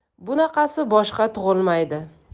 bunaqasi boshqa tug'ilmaydi